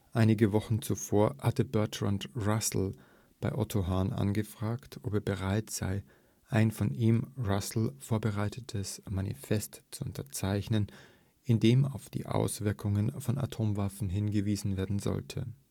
Einige Wochen zuvor hatte Bertrand Russell bei Otto Hahn angefragt, ob er bereit sei, ein von ihm, Russell, vorbereitetes Manifest zu unterzeichnen, in dem auf die Auswirkungen von Atomwaffen hingewiesen werden sollte